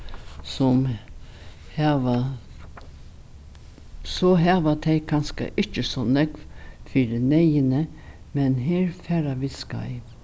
sum hava so hava tey kanska ikki so nógv fyri neyðini men her fara vit skeiv